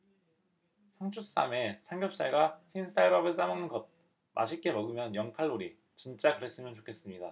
상추쌈에 삼겹살과 흰쌀밥을 싸먹는 것 맛있게 먹으면 영 칼로리 진짜 그랬으면 좋겠습니다